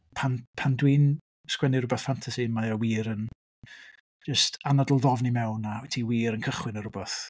Pan pan dwi'n sgwennu rywbeth ffantasi, mae o wir yn jyst anadl ddofn i mewn a wyt ti wir yn cychwyn ar rywbeth.